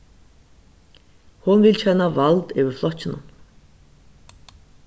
hon vil kenna vald yvir flokkinum